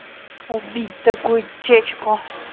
убить такую течку